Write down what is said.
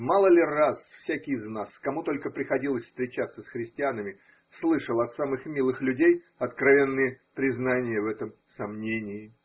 Мало ли раз всякий из нас, кому только приходилось встречаться с христианами, слышал от самых милых людей откровенные признания в этом сомнении?